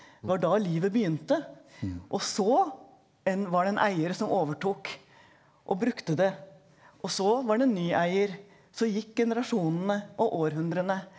det var da livet begynte og så en var det en eier som overtok og brukte det og så var det ny eier så gikk generasjonene og århundrene.